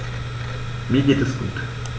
Mir geht es gut.